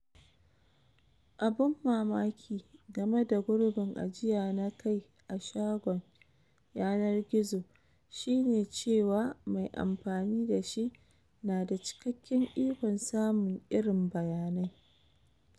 Abun ban mamaki game da gurbin ajiya na kai a shagon yanar gizo shi ne cewa mai amfani da shi na da cikakken ikon samun irin bayanai.